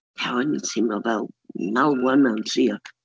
A o'n i'n teimlo fel malwen mewn triog.